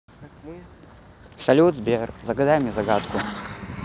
салют сбер загадай мне загадку